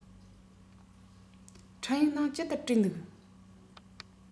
འཕྲིན ཡིག ནང ཅི ལྟར བྲིས འདུག